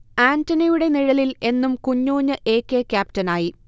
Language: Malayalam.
ആന്റണിയുടെ നിഴലിൽ എന്നും കുഞ്ഞൂഞ്ഞ് എ. കെ. ക്യാപ്റ്റനായി